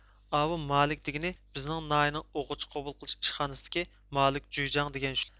ئاۋۇ مالىك دىگىنى بىزنىڭ ناھىينىڭ ئۇقۇغۇچى قۇبۇل قىلىش ئىشخانىسدىكى مالىك جۇيجاڭ دىگەن شۇ